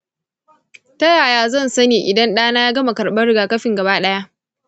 ta yaya zan sani idan ɗana ya gama karɓan rigakafin gabaɗaya?